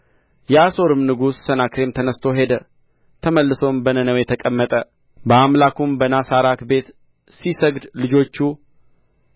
የአሦርም ንጉሥ ሰናክሬም ተነሥቶ ሄደ ተመልሶም በነነዌ ተቀመጠ በአምላኩም በናሳራክ ቤት ሲሰግድ ልጆቹ